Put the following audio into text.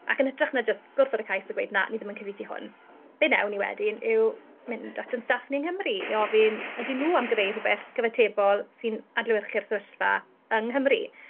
Ac yn hytrach na jyst gwrthod y cais a gweud "na, ni ddim yn cyfeithu hwn", be wnawn ni wedyn yw mynd at ein staff ni yng Nghymru i ofyn, "a ydyn nhw am greu rywbeth cyfatebol sy'n adlewyrchu'r sefyllfa yng Nghymru"?